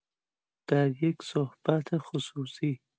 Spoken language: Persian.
در یک صحبت خصوصی